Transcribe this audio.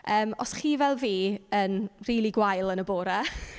Yym, os chi fel fi yn rili gwael yn y bore .